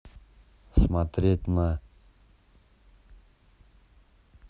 смотреть на